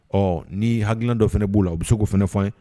Ɔ ni hakiliki dɔ fana b'o la u bɛ se k'o fana ne fɔ ye